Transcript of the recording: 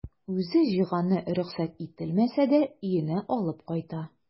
Үзе җыйганны рөхсәт ителмәсә дә өенә алып кайта.